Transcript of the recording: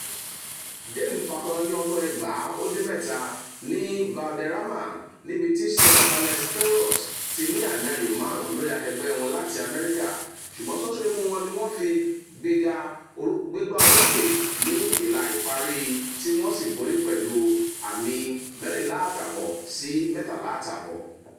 The Dane fakọyọ ní ọdún 1997 ní Valderrama, níbití Seve Ballesteros ti ní àmì ayò márùn lórí akẹgbẹ́ wọn láti Amerika, ṣùgbọ́n ṣóńsó imú wọn ní wọ́n fí gbégbá orókè ní ìlà-ìparí tí wọ́n sì borí pẹ̀lú 14½-13½.